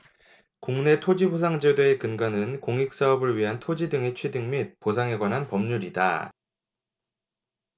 국내 토지보상제도의 근간은 공익사업을 위한 토지 등의 취득 및 보상에 관한 법률이다